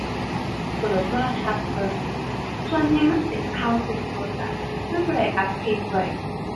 เปิดโทรทัศน์เบิ่ง ส่วนใหญ่มันเป็นข่าวสดสดอะ มันบ่ได้อัดเทปไว้